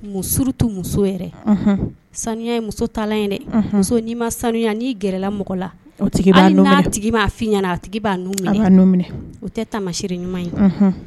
Muso tɛ muso yɛrɛ sanu ye muso ta ye muso ni ma sanuya n' gɛrɛla mɔgɔ la tigi'a fɔ ɲɛna a tigia o tɛ tamasire ɲuman ye